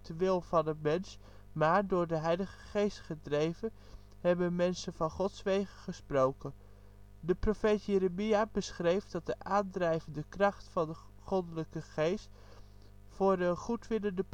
wil van een mens, maar, door de Heilige Geest gedreven, hebben mensen van Godswege gesproken ". 2 Petrus 1:21. De profeet Jeremia beschreef dat de aandrijvende kracht van de Goddelijke Geest voor een goedwillende